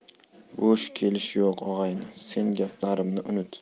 bo'sh kelish yo'q og'ayni sen gaplarimni unut